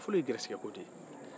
nafolo ye gajɛgɛko de ye